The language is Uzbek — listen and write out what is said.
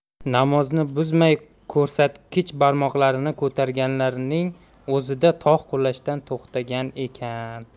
namozni buzmay ko'rsatkich barmoqlarini ko'targanlarining o'zida tog' qulashdan to'xtagan ekan